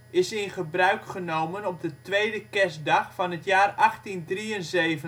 is in gebruik genomen op de tweede kerstdag van het jaar 1873